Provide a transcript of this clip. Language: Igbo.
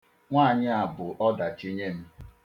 Nwaanyị a bụ ọdachi nye m..